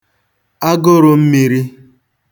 agụrụ̄ mmīrī